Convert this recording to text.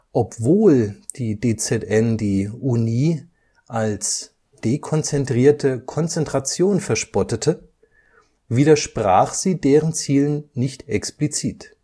Obwohl die DZN die Unie als „ dekonzentrierte Konzentration “verspottete, widersprach sie deren Zielen nicht explizit